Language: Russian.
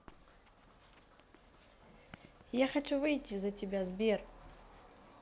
я хочу выйти за тебя сбер